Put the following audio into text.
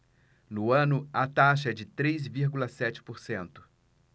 no ano a taxa é de três vírgula sete por cento